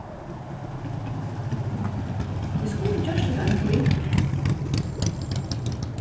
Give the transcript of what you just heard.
vit skuldu gjørt hetta eina ferð um vikuna